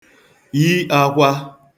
yi ākwā